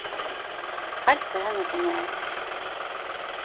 heilsa henni frá mær